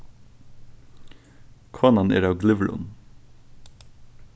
konan er av glyvrum